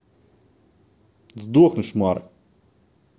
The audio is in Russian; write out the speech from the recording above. сдохнуть шмары